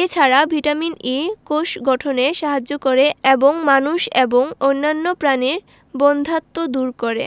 এ ছাড়া vitamin E কোষ গঠনে সাহায্য করে এবং মানুষ এবং অন্যান্য প্রাণীর বন্ধ্যাত্ব দূর করে